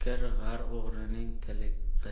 g'ar o'g'rining tili bir